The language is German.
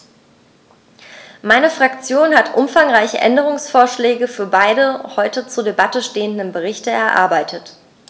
Meine Fraktion hat umfangreiche Änderungsvorschläge für beide heute zur Debatte stehenden Berichte erarbeitet.